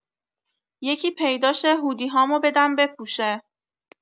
یکی پیدا شه هودی هامو بدم بپوشه